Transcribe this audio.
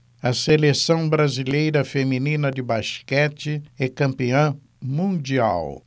a seleção brasileira feminina de basquete é campeã mundial